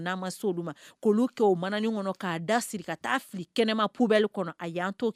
Ka taa kɛnɛma kɔnɔ